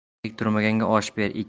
tek turmaganga osh ber